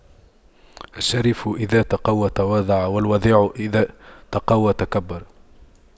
الشريف إذا تَقَوَّى تواضع والوضيع إذا تَقَوَّى تكبر